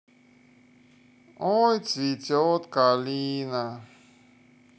ой цветет калина